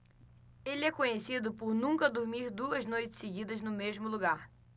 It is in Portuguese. ele é conhecido por nunca dormir duas noites seguidas no mesmo lugar